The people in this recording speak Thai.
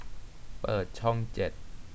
เปิดช่องเจ็ด